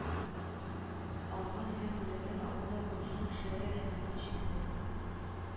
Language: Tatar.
Аңа һәм бүләкләр алуда булышкан кешеләргә рәхмәтем чиксез